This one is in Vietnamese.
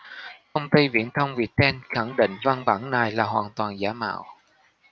công ty viễn thông viettel khẳng định văn bản này là hoàn toàn giả mạo